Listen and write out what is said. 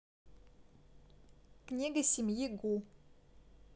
книга семьи гу